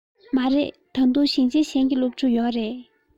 མ རེད ད དུང ཞིང ཆེན གཞན གྱི སློབ ཕྲུག ཡོད རེད